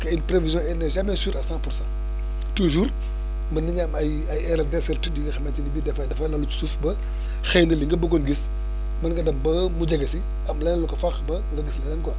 que une prévision elle n' est jamais sûre à cent pour cent toujours mën nañu am ay ay erreur d' incertitude yi nga xamante ne bii dafay dafa lalu si suuf ba xëy na lim bëggoon gis mën nga dem ba mu jege si am leneen lu ko faq ba nga gis leneen quoi